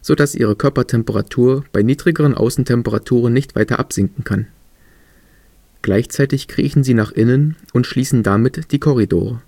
so dass ihre Körpertemperatur bei niedrigeren Außentemperaturen nicht weiter absinken kann. Gleichzeitig kriechen sie nach innen und schließen damit die Korridore